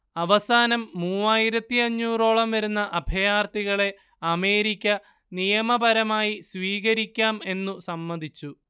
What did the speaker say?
അവസാനം മൂവായിരത്തിയഞ്ഞൂറോളം വരുന്ന അഭയാർത്ഥികളെ അമേരിക്ക നിയമപരമായി സ്വീകരിക്കാം എന്നും സമ്മതിച്ചു